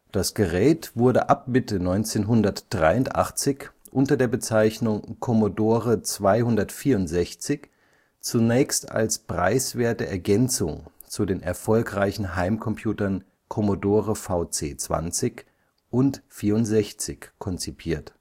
Das Gerät wurde ab Mitte 1983 unter der Bezeichnung Commodore 264 zunächst als preiswerte Ergänzung zu den erfolgreichen Heimcomputern Commodore VC 20 und 64 konzipiert